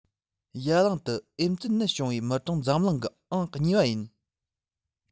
ཡ གླིང དུ ཨེ ཙི ནད བྱུང བའི མི གྲངས འཛམ གླིང གི ཨང གཉིས པ ཡིན